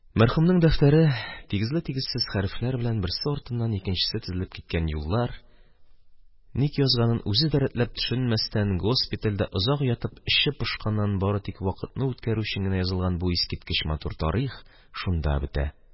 Мәрхүмнең дәфтәре – тигезле-тигезсез хәрефләр белән берсе артыннан икенчесе тезелеп киткән юллар, ник язганын үзе дә рәтләп төшенмәстән, госпитальдә озак ятып эче пошканнан, бары тик вакытны үткәрү өчен генә язылган бу искиткеч матур тарих – шунда бетә.